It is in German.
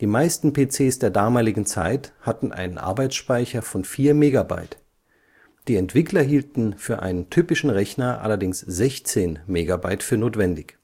Die meisten PCs der damaligen Zeit hatten einen Arbeitsspeicher von 4 Megabyte, die Entwickler hielten für einen typischen Rechner allerdings 16 Megabyte für notwendig